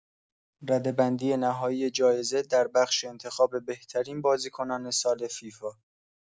رده‌بندی نهایی جایزه در بخش انتخاب بهترین بازیکنان سال فیفا